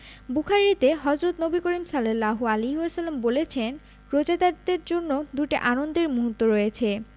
বুখারিতে হজরত নবী করিম সা বলেছেন রোজাদারের জন্য দুটি আনন্দের মুহূর্ত রয়েছে